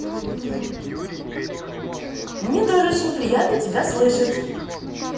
мне тоже очень приятно тебя слышать